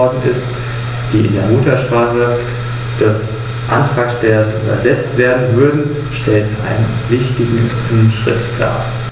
und dem Kohäsionsfonds.